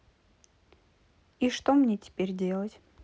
и что мне теперь делать